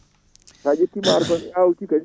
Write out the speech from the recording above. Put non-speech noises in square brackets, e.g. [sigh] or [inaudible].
sa ƴetti [clears throat] maaro kadi awti kadi